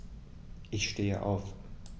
Ich stehe auf.